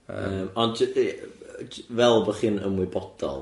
Yym ond jy- yy j- fel bo' chi yn ymwybodol.